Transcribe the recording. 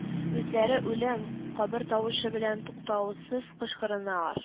Үзләре үлем, кабер тавышы белән туктаусыз кычкырыналар: